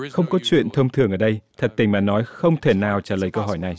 không có chuyện thông thường ở đây thật tình mà nói không thể nào trả lời câu hỏi này